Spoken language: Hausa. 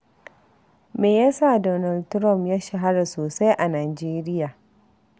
Me ya sa Donald Trump ya shahara sosai a Nijeriya?